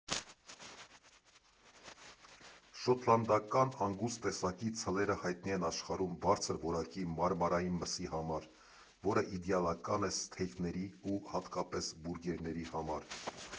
Շոտլանդական անգուս տեսակի ցլերը հայտնի են աշխարհում բարձր որակի մարմարային մսի համար, որը իդեալական է սթեյքերի ու հատկապես բուրգերների համար։